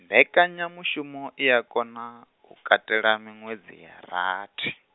mbekanyamushumo i a kona, u katela miṅwedzi ya rathi.